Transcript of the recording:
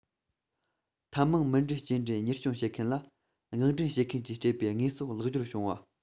ཐབས མང མུ འབྲེལ སྐྱེལ འདྲེན གཉེར སྐྱོང བྱེད མཁན ལ མངགས འདྲེན བྱེད མཁན གྱིས སྤྲད པའི དངོས ཟོག ལག འབྱོར བྱུང བ